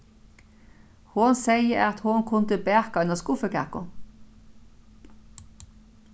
hon segði at hon kundi baka eina skuffukaku